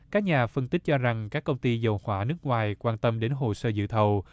các nhà phân tích cho rằng các công ty dầu hỏa nước ngoài quan tâm đến hồ sơ dự thầu